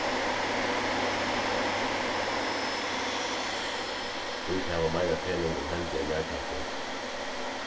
vit hava meira pening um hendi enn nakrantíð